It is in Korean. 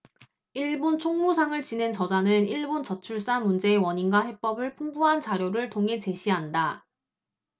일본 총무상을 지낸 저자는 일본 저출산 문제의 원인과 해법을 풍부한 자료를 통해 제시한다